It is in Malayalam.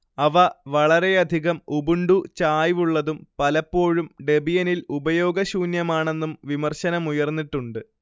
അവ വളരെയധികം ഉബുണ്ടു ചായ്വുള്ളതും പലപ്പോഴും ഡെബിയനിൽ ഉപയോഗശൂന്യമാണെന്നും വിമർശനമുയർന്നിട്ടുണ്ട്